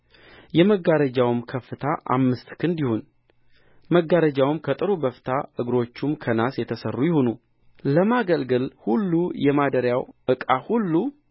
የመጋረጃውም ከፍታ አምስት ክንድ ይሁን መጋረጃውም ከጥሩ በፍታ እግሮቹም ከናስ የተሠሩ ይሁኑ ለማገልገል ሁሉ የማደሪያው ዕቃ ሁሉ